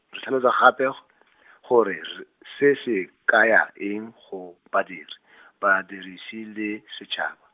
tlhalosa gape g- , gore, r-, se se, kaya eng go badiri , badirisi le setshaba.